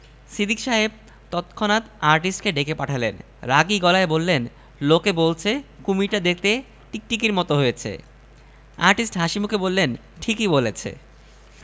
ঠিক করেছি সরাসরি যখন ধরতেই হচ্ছে দুটা না ধরে গােটা দশেক ধরে নিয়ে আসব কুশীর ধরার কাজে সহায়তা করার জন্যে প্রাণীবিদ্যায় এম এস সি